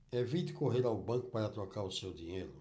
evite correr ao banco para trocar o seu dinheiro